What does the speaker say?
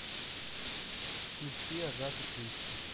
включи агату кристи